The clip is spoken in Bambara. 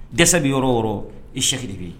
Dɛsɛ bɛ yɔrɔ o yɔrɔ i sɛ de bɛ yen